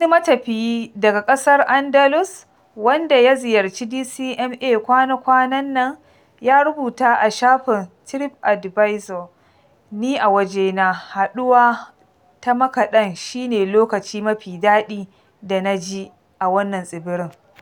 Wani matafiyi daga ƙasar Andalus, wanda ya ziyarci DCMA kwana-kwanan nan, ya rubuta a shafin TripAdvisor: "Ni a wajena, haɗuwa ta makaɗan shi ne lokaci mafi daɗi da na ji a wannan tsibirin".